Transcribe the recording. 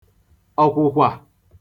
ọ̀kwụ̀kwà